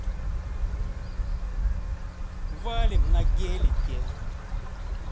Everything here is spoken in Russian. валим на гелике